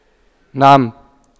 نعم